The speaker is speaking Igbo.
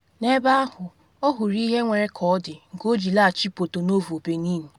N'ebe ahụ, ọ hụrụ "ihe nwere ka ọ dị" nke o ji laghachi Porto-Novo, Benin.